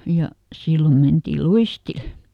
ja silloin mentiin luistille